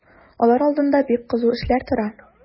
Алар алдында бик кызу эшләр тора.